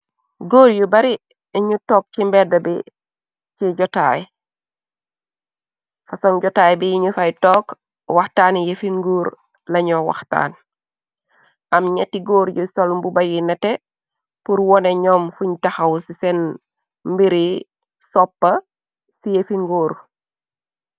Góor yu bari ñu toog ci mbedda bi, Di jotaweh. Fasong jotaay bi ñu fay toog wataani yefi nguur lañu wahtaan. Am ñetti góor yu sol mbubs yu nete, pur wonè ñoom fuñ tahaw ci senn mbiri soppa ci yefi nguor.